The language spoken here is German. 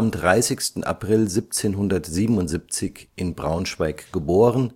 30. April 1777 in Braunschweig; †